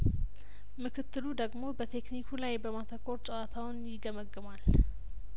ምክትሉ ደግሞ በቴክኒኩ ላይ በማተኮር ጨዋታውን ይገመግ ማል